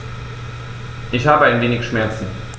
Ich habe ein wenig Schmerzen.